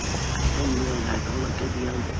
Darllenwyr a golygyddion.